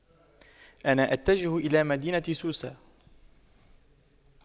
أنا أتجه الى مدينة سوسة